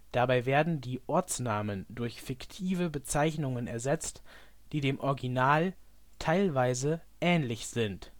Dabei werden die Ortsnamen durch fiktive Bezeichnungen ersetzt, die dem Original teilweise ähnlich sind